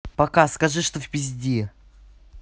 пока скажи что в пизде